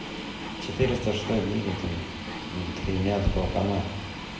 четыреста шестой двигатель гремят клапана